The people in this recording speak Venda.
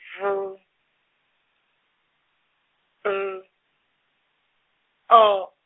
V N O.